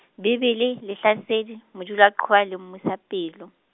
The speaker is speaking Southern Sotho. Bebele, Lehlasedi, Modulaqhowa le Mmusapelo.